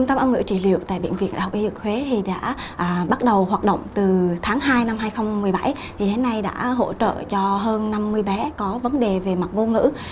tâm âm ngữ trị liệu tại bệnh viện đại học y dược huế thì đã à bắt đầu hoạt động từ tháng hai năm hai không mười bảy thì đến nay đã hỗ trợ cho hơn năm mươi bé có vấn đề về mặt ngôn ngữ